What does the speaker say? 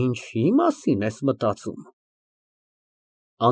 Ինչի՞ մասին է մտածում։